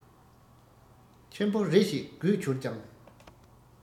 ཆེན པོ རེ ཞིག རྒུད གྱུར ཀྱང